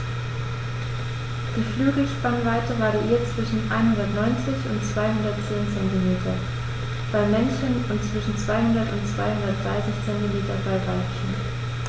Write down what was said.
Die Flügelspannweite variiert zwischen 190 und 210 cm beim Männchen und zwischen 200 und 230 cm beim Weibchen.